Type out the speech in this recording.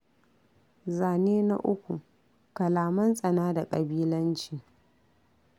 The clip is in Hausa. Zane na 3: Kalaman tsana da ƙabilanci